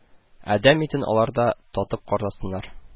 Адәм итен алар да татып карасыннар